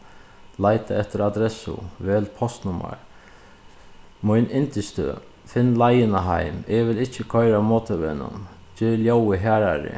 leita eftir adressu vel postnummar mín yndisstøð finn leiðina heim eg vil ikki koyra á motorvegnum ger ljóðið harðari